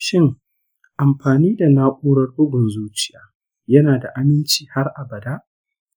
shin, amfani da na'urar bugun zuciya yana da aminci har abada?